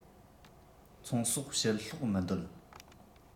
ཚོང ཟོག ཕྱིར སློག མི འདོད